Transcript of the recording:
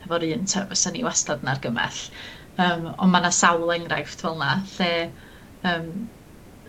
efo'r un ty fysan ni wastad yn argymell yym on' ma' 'na sawl enghraifft fel 'na lle yym